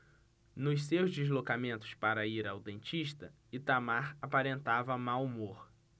nos seus deslocamentos para ir ao dentista itamar aparentava mau humor